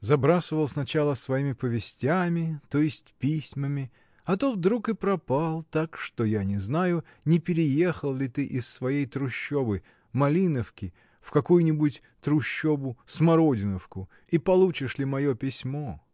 Забрасывал сначала своими повестями, то есть письмами, а тут вдруг и пропал, так что я не знаю, не переехал ли ты из своей трущобы — Малиновки, в какую-нибудь трущобу — Смородиновку, и получишь ли мое письмо?